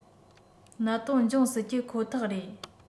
གནད དོན འབྱུང སྲིད ཀྱི ཁོ ཐག རེད